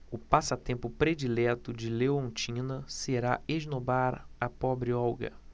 o passatempo predileto de leontina será esnobar a pobre olga